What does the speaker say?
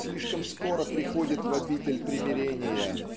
он слишком скоро приходит в обитель примирения